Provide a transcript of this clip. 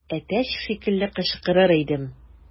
Әтәч шикелле кычкырыр идем.